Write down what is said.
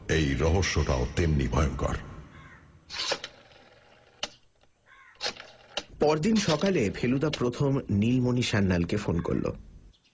এই রহস্যটাও তেমনি ভয়ঙ্কর পরদিন সকালে ফেলুদা প্রথম নীলমণি সানালকে ফোন করল